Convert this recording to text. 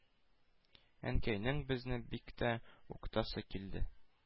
Әнкәйнең безне бик тә укытасы килде.